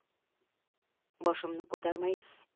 boshimni ko'tarmay